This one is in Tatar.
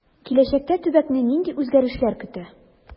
Киләчәктә төбәкне нинди үзгәрешләр көтә?